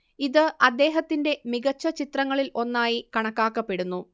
ഇത് അദ്ദേഹത്തിന്റെ മികച്ച ചിത്രങ്ങളിൽ ഒന്നായി കണക്കാക്കപ്പെടുന്നു